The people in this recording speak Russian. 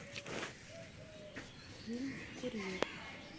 фильм курьер